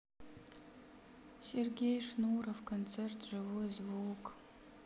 сергей шнуров концерт живой звук